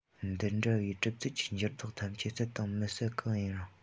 འདི འདྲ བའི གྲུབ ཚུལ གྱི འགྱུར ལྡོག ཐམས ཅད གསལ དང མི གསལ གང ཡིན རུང